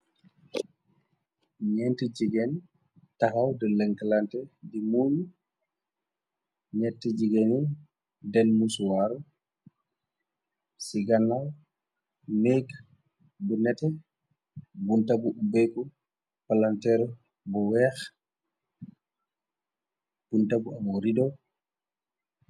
ñent jigéen taxaw du lenklante di muuñ ñet jigéeni denmuswar ci gannaw méek bu nete buntabu ubbeeku palantër bu weex buntabu abo rido